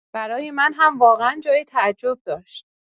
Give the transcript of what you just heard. برای من هم واقعا جای تعجب داشت.